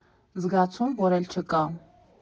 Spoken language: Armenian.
Զգացում, որ էլ չկա…